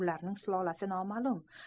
ularning zoti zurriyoti noma'lum